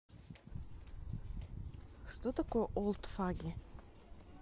что такое олдфаги